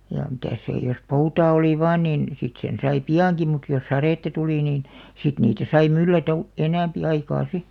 ja mitäs se jos poutaa oli vain niin sitten sen sai piankin mutta jos sadetta tuli niin sitten niitä sai myllätä - enempi aikaa sitten